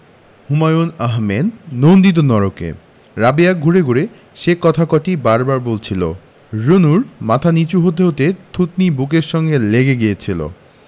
হুমায়ুন আহমেদ নন্দিত নরকে রাবেয়া ঘুরে ঘুরে সেই কথা কটিই বার বার বলছিলো রুনুর মাথা নীচু হতে হতে থুতনি বুকের সঙ্গে লেগে গিয়েছিলো